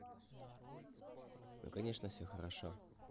ну конечно все хорошо